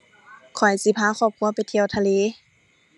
ข้อยสิพาครอบครัวไปเที่ยวทะเล